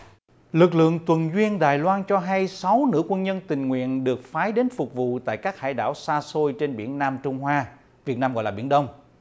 lực lượng tuần duyên đài loan cho hay sáu nữ quân nhân tình nguyện được phái đến phục vụ tại các hải đảo xa xôi trên biển nam trung hoa việt nam gọi là biển đông